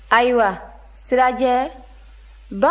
ayiwa sirajɛ bamananw ko